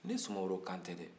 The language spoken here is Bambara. ne sumaworo kan tɛ dɛ